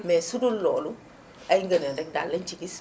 mais sudul loolu ay ngëneel rek daal lañu si gis